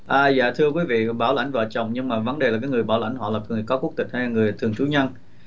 à dạ thưa quý vị bảo lãnh vợ chồng nhưng mà vấn đề là cái người bảo lãnh họ là người có quốc tịch hay là người thường trú nhân